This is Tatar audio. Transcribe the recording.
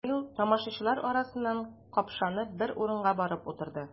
Данил, тамашачылар арасыннан капшанып, бер урынга барып утырды.